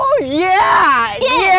día há há